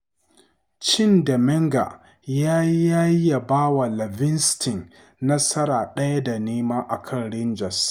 Cin da Menga ya yi ya ba wa Livingston nasara 1 da 0 a kan Rangers